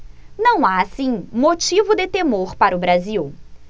não há assim motivo de temor para o brasil